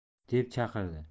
deb chaqirdi